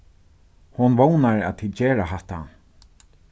hon vónar at tit gera hatta